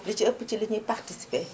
li ci ëpp ci li ñuy participé